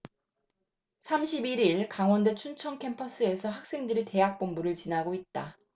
삼십 일 일 강원대 춘천캠퍼스에서 학생들이 대학본부를 지나고 있다